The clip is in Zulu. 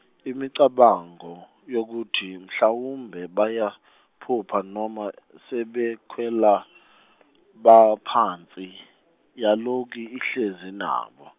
imicabango yokuthi mhlawumbe bayaphupha noma sebekwelabaphansi yalokhu ihlezi nabo.